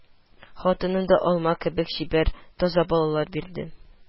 Хатыны да алма кебек чибәр, таза балалар бирде